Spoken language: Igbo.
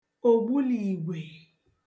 ògbulìigwè